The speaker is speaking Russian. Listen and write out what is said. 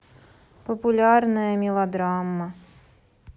популярная мелодрама